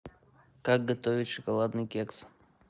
как готовить шоколадный кекс